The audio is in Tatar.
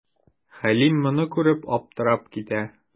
Хәлим моны күреп, аптырап китә.